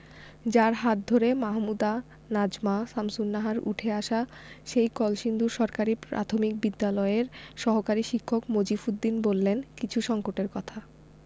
যাঁর হাত ধরে মাহমুদা নাজমা শামসুন্নাহারদের উঠে আসা সেই কলসিন্দুর সরকারি প্রাথমিক বিদ্যালয়ের সহকারী শিক্ষক মফিজ উদ্দিন বললেন কিছু সংকটের কথা